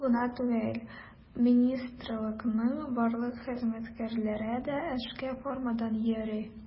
Ул гына түгел, министрлыкның барлык хезмәткәрләре дә эшкә формадан йөри.